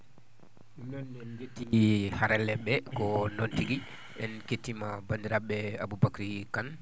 ɗum noon on njettii haralleeɓe ɓee ko noon tigi en kettiima banndiraaɓe ɓe Aboubacry Kane